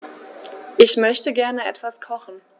Ich möchte gerne etwas kochen.